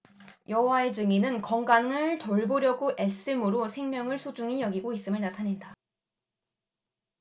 여호와의 증인은 건강을 돌보려고 애씀으로 생명을 소중히 여기고 있음을 나타낸다